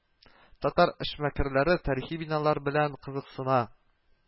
Татар эшмәкәре тарихи биналар белән кызыксына